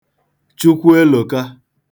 Chukwuelòka